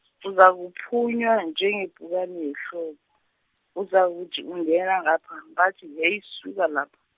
uzakuphungwa njengepukani yehlobo, uzakuthi ungena ngapha, bathi heyi suka lapha.